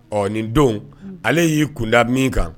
Ɔ nin don ale y'i kunda min kan